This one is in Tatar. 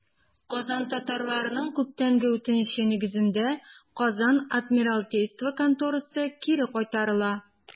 Казан татарларының күптәнге үтенече нигезендә, Казан адмиралтейство конторасы кире кайтарыла.